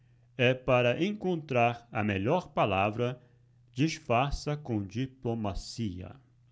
é para encontrar a melhor palavra disfarça com diplomacia